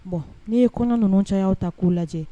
Bon n'i ye kɔnɔna ninnu cayaya ta k'u lajɛ